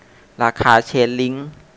ราคาเชนลิ้ง